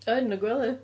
Yn y gwely?